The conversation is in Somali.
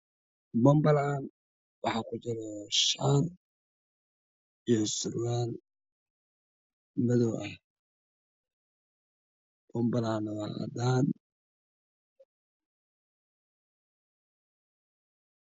Waa bambalo midabkiisii yahay caddaan waxaa ku jira shaati midabkiis yahay madow buluug vaddaan surwaal ayaa ku jira oo madow ah